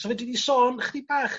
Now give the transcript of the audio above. so fedri 'di sôn chydig bach...